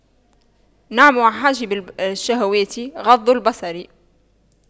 نعم حاجب الشهوات غض البصر